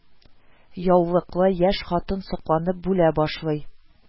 Яулыклы яшь хатын сокланып бүлә башлый